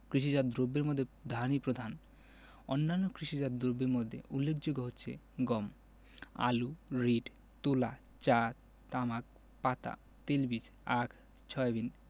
কৃষিজাত দ্রব্যের মধ্যে ধানই প্রধান অন্যান্য কৃষিজাত দ্রব্যের মধ্যে উল্লেখযোগ্য হচ্ছে গম আলু রীট তুলা চা তামাক পাতা তেলবীজ আখ সয়াবিন